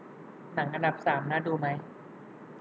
หนังอันดับสามน่าดูไหม